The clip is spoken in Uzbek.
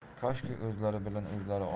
koshki o'zlari bilan o'zlari